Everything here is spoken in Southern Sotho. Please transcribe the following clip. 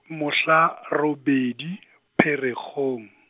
mohla, robedi, Pherekgong.